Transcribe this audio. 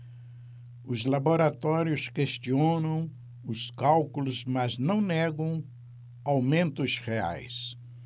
os laboratórios questionam os cálculos mas não negam aumentos reais